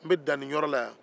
n bɛ dan nin yɔrɔ la yan